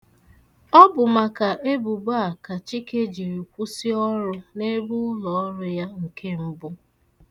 Ọ bụ maka ebubo a ka Chike jiri kwụsị ọrụ n'ebe ụlọọrụ ya nke mbụ.